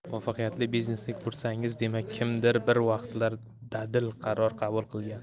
muvaffaqiyatli biznesni ko'rsangiz demak kimdir bir vaqtlar dadil qaror qabul qilgan